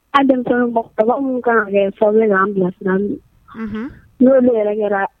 An ni mɔgɔ minnu kan kɛ fa k'an bila fila min n' ne yɛrɛkɛ